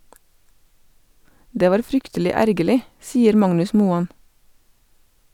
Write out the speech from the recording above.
Det var fryktelig ergerlig, sier Magnus Moan.